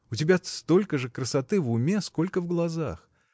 у тебя столько же красоты в уме, сколько в глазах!